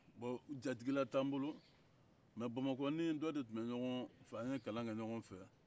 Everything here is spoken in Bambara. bon jatigila t'an bolo mɛ bamakɔ n ni dɔ de tun bɛ ɲɔgɔn fɛ an ye kalan kɛ ɲɔgɔn fɛ